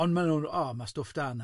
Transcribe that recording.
Ond maen nhw'n, oh, ma' stwff da na.